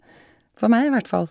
For meg, i hvert fall.